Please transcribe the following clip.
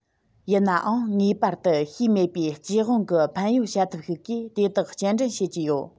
ཡིན ནའང ངེས པར དུ ཤེས མེད པའི སྟེས དབང གི ཕན ཡོད བྱ ཐབས ཤིག གིས དེ དག སྐྱེལ འདྲེན བྱེད ཀྱི ཡོད